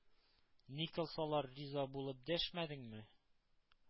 Ни кылсалар, риза булып дәшмәдеңме?